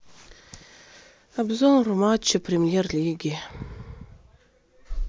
обзор матча премьер лиги